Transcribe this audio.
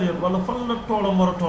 comme yi ngeen fi wax yépp mu ngi koy def